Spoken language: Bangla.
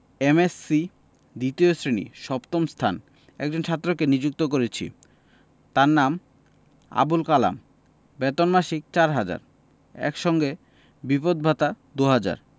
এম এস সি দ্বিতীয় শ্রেণী সপ্তম স্থান একজন ছাত্রকে নিযুক্ত করেছি তার নাম আবুল কালাম বেতন মাসিক চার হাজার এই সঙ্গে বিপদ ভাতা দু'হাজার